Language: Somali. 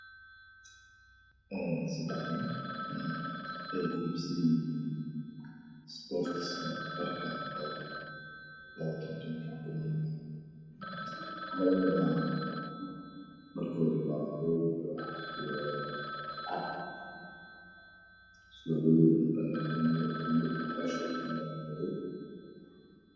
Sadex nin ay ku labisanyihiin sports ka dharka oo loogu talagalay banooniga labadaba dharkooda waa madow iyo cad surwaaladoodana buumaha shabaqiisa waa madow